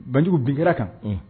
Banjugu bin kɛra kan,